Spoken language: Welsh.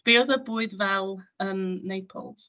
Be oedd y bwyd fel yn Naples?